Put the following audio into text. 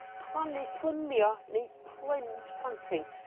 plannu plymio neu plunge planting